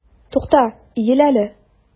Тукта, иел әле!